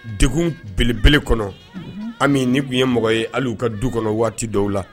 De belebele kɔnɔ ami ni tun ye mɔgɔ ye hali'u ka du kɔnɔ waati dɔw la